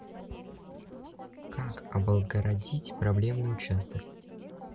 как облагородить проблемный участок